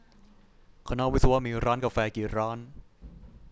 คณะวิศวะมีร้านกาแฟกี่ร้าน